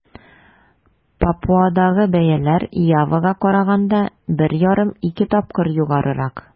Папуадагы бәяләр Явага караганда 1,5-2 тапкыр югарырак.